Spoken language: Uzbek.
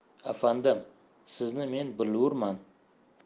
afandim sizni men bilurman